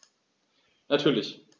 Natürlich.